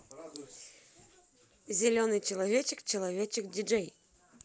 зеленый человечек человечек диджей